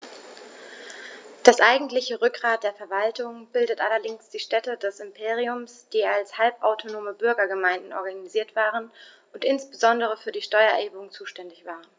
Das eigentliche Rückgrat der Verwaltung bildeten allerdings die Städte des Imperiums, die als halbautonome Bürgergemeinden organisiert waren und insbesondere für die Steuererhebung zuständig waren.